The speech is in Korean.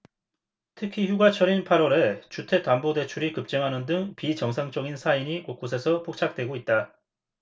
특히 휴가철인 팔 월에 주택담보대출이 급증하는 등 비정상적인 사인이 곳곳에서 포착되고 있다